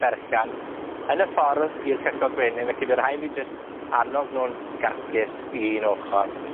berchan, yn y ffordd i'r cychod gwenyn, felly by' rhai' fi jyst annog nw'n garcus i un ochor.